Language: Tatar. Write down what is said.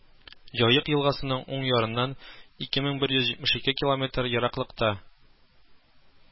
Җаек елгасының уң ярыннан ике мең бер йөз җитмеш ике километр ераклыкта